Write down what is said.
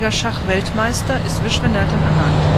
Schachweltmeister ist Viswanathan Anand